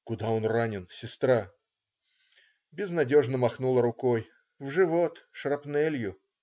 "Куда он ранен, сестра?" Безнадежно махнула рукой: "В живот, шрапнелью".